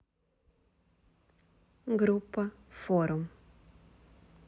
группа форум